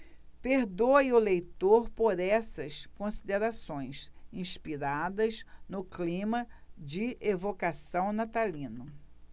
perdoe o leitor por essas considerações inspiradas no clima de evocação natalino